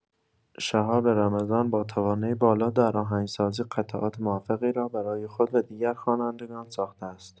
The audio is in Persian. شهاب رمضان با توانایی بالا در آهنگسازی، قطعات موفقی را برای خود و دیگر خوانندگان ساخته است.